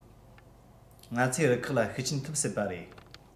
ང ཚོའི རུ ཁག ལ ཤུགས རྐྱེན ཐེབས སྲིད པ རེད